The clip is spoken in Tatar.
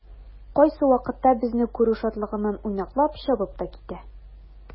Кайсы вакытта безне күрү шатлыгыннан уйнаклап чабып та китә.